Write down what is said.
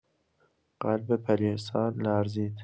قلب پریسا لرزید.